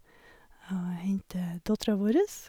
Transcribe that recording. Og henter dattera vårres.